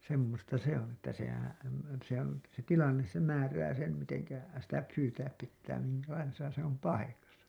semmoista se on että sehän se on se tilanne se määrää sen miten sitä pyytää pitää minkälaisessa se on paikassa